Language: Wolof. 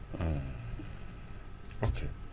ok